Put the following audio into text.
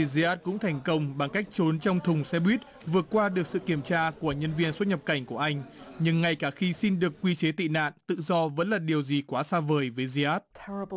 di át cũng thành công bằng cách trốn trong thùng xe buýt vượt qua được sự kiểm tra của nhân viên xuất nhập cảnh của anh nhưng ngay cả khi xin được quy chế tị nạn tự do vẫn là điều gì quá xa vời với di át